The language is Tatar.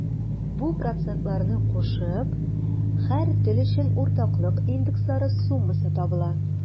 Бу процентларны кушып, һәр тел өчен уртаклык индекслары суммасы табыла.